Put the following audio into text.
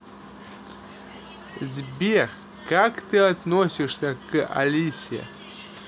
сбер как ты относишься к алисе